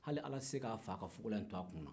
hali ala tɛ se k'a faa ka fugulan in t'a kun na